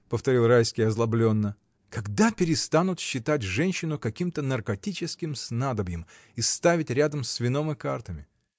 — повторил Райский озлобленно, — когда перестанут считать женщину каким-то наркотическим снадобьем и ставить рядом с вином и картами!